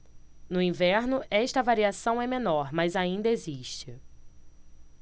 no inverno esta variação é menor mas ainda existe